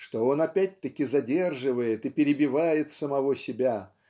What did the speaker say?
что он опять-таки задерживает и перебивает самого себя